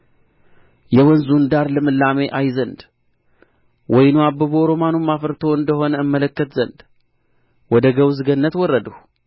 የወንዙን ዳር ልምላሜ አይ ዘንድ ወይኑ አብቦ ሮማኑም አፍርቶ እንደ ሆነ እመለከት ዘንድ ወደ ገውዝ ገነት ወረድሁ